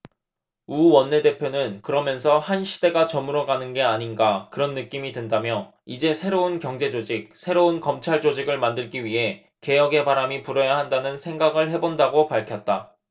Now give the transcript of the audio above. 우 원내대표는 그러면서 한 시대가 저물어가는 게 아닌가 그런 느낌이 든다며 이제 새로운 경제조직 새로운 검찰조직을 만들기 위해 개혁의 바람이 불어야한다는 생각을 해 본다고 밝혔다